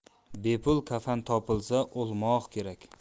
bepul kafan topilsa o'lmoq kerak